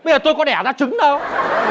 bây giờ tôi có đẻ ra trứng đâu